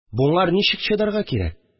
Буңар ничек чыдарга кирәк